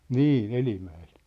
niin Elimäeltä